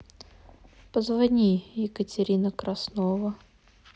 позвони екатерина краснова